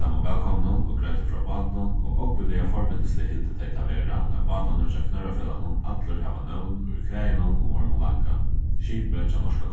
teimum vælkomnum og greiddi frá bátunum og ógvuliga forvitnislig hildu tey tað vera at bátarnir hjá knørrafelagnum allir hava nøvn úr kvæðinum um ormin langa skipið hjá norska